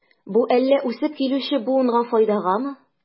Бу әллә үсеп килүче буынга файдагамы?